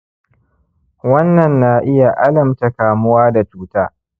wannan na iya alamta kamuwa da cuta